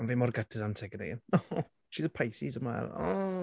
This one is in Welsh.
Ond fi mor gutted i Antigone. She's a Pisces as well, ohh!